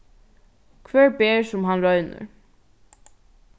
hvør ber sum hann roynir